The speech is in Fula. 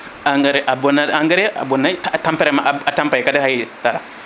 engrais a bonnat engrais a bonnay tampere ma a tampay kadi hay